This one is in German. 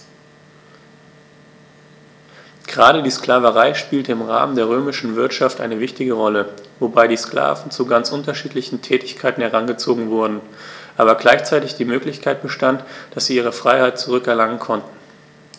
Gerade die Sklaverei spielte im Rahmen der römischen Wirtschaft eine wichtige Rolle, wobei die Sklaven zu ganz unterschiedlichen Tätigkeiten herangezogen wurden, aber gleichzeitig die Möglichkeit bestand, dass sie ihre Freiheit zurück erlangen konnten.